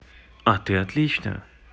а ты отлично